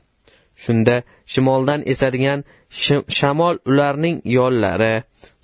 shunda shimoldan esadigan shamol ularning yollari